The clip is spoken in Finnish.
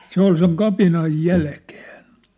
se oli sen kapinan jälkeen